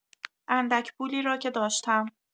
اندک پولی را که داشتم.